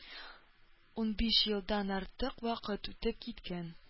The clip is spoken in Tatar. Унбиш елдан артык вакыт үтеп киткән